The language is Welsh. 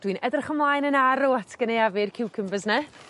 dwi'n edrych ymlaen yn arw at gynaeafu'r ciwcybyrs 'ne.